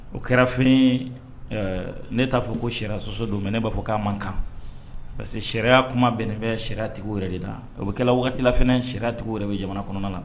O kɛra fɛn ye ne t'a fɔ ko sariyasɔsɔ don mais ne b'a fɔ k'a man kan parce que sariya kuma bɛnnen bɛ sariya tigiw yɛrɛ de la, o bɛ kɛla waati la fana sariya tigiw yɛrɛ bɛ jamana kɔnɔna na